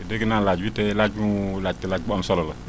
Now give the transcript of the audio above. dégg naa laaj wi te laaj bu mu laajte laaj bu am solo la